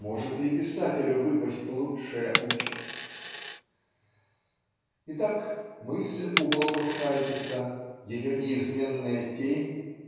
Может ли писателю выпасть лучшая участь?. Итак мысль у Балтрушайтиса ее неизменная тень